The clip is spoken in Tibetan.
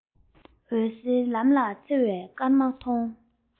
འོད ཟེར ལམ ལམ འཚེར བའི སྐར མ མཐོང